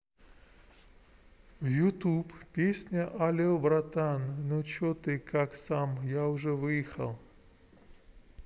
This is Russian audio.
youtube песня але братан ну че ты как сам я уже выехал